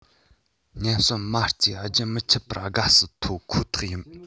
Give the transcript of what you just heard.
ཉེན ཟོན མ རྩས རྒྱུན མི ཆད པར དགའ བསུ ཐོབ ཁོ ཐག ཡིན